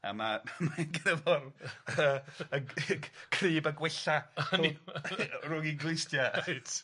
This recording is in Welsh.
A ma' mae gynno fo yy y g- c- crib a gwella a hynny rwng 'i glustia. Reit.